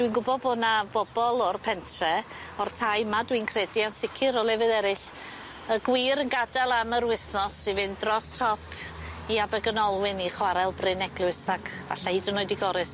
dwi'n gwbo bo' 'na bobol o'r pentre o'r tai 'ma dwi'n credu on' sicir o lefydd eryll y gwŷr yn gad'el am yr wythnos i fynd dros top i Abergynolwyn i chwarel Bryn Eglwys ac falla hyd yn oed i Gorris.